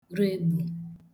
règbù